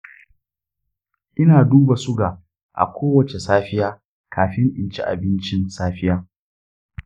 ina duba suga a kowace safiya kafin in ci abincin safiya.